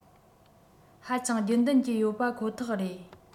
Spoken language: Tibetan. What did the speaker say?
ཧ ཅང རྒྱུན ལྡན གྱི ཡོད པ ཁོ ཐག རེད